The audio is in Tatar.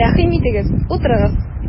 Рәхим итегез, утырыгыз!